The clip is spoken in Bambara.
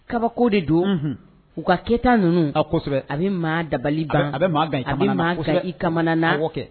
Kabako de don u ka kɛyita ninnu kosɛbɛ a bɛ maa dabali ban bɛ i kamana na kɛ